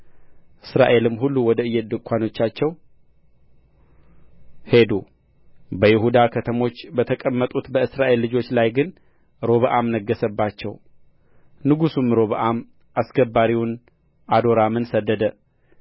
እስራኤልም ሁሉ ወደ እየድንኳኖቻቸው ሄዱ በይሁዳ ከተሞች በተቀመጡት በእስራኤል ልጆች ላይ ግን ሮብዓም ነገሠባቸው ንጉሡም ሮብዓም አስገባሪውን አዶራምን ሰደደ